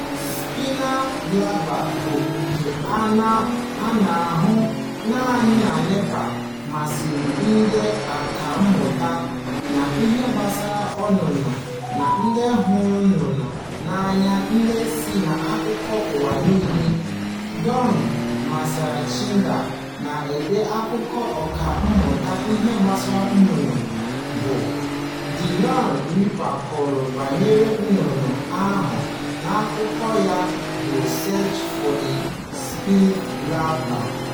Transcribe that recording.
Spiny Babbler, bụ nke a na-ahụ naanị na Nepal, masịrị ndị ọkammụta n'ihe gbasara nnụnụ na ndị hụrụ nnụnụ n'anya ndị si n'akụkụ ụwa niile. Don Messerschmidt na-ede akụkọ ọkammụta n'ihe gbasara nnụnụ bụ S. Dillon Ripley kọrọ banyere nnụnụ ahụ n'akwụkwọ ya bụ Search for the Spiny Babbler: